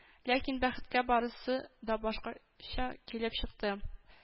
Ләкин, бәхеткә, барысы да башкача килеп чыкты